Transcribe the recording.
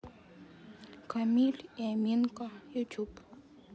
камиль и аминка ютюб